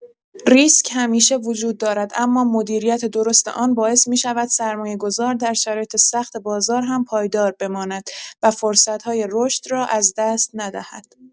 ریسک همیشه وجود دارد اما مدیریت درست آن باعث می‌شود سرمایه‌گذار در شرایط سخت بازار هم پایدار بماند و فرصت‌های رشد را از دست ندهد.